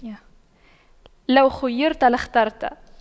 لو خُيِّرْتُ لاخترت